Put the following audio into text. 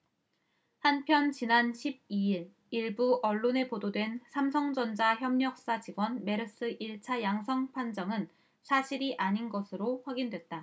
한편 지난 십 이 일 일부 언론에 보도된 삼성전자 협력사 직원 메르스 일 차 양성판정은 사실이 아닌 것으로 확인됐다